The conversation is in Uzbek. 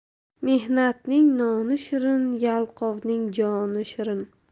mehnatning noni shirin yalqovning joni shirin